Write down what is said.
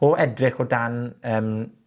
o edrych o dan yym,